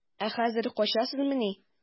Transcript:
Ә хәзер качасызмыни?